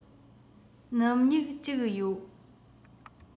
སྣུམ སྨྱུག གཅིག ཡོད